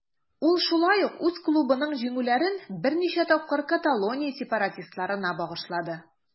Ул шулай ук үз клубының җиңүләрен берничә тапкыр Каталония сепаратистларына багышлады.